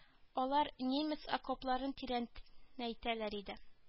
Алар немец окопларын тирәнәйтәләр иде